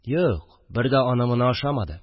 – юк, бер дә аны-моны ашамады